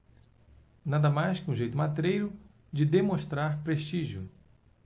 nada mais que um jeito matreiro de demonstrar prestígio